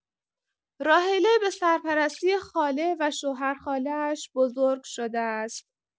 راحله به سرپرستی خاله و شوهرخاله‌اش بزرگ شده است.